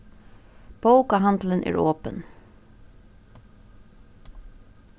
bókahandilin er opin